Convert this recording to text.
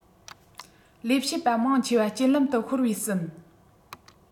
ལས བྱེད པ མང ཆེ བ རྐྱེན ལམ དུ ཤོར བའི ཟིན